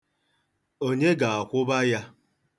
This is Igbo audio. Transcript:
Onye ga-akwụba ya?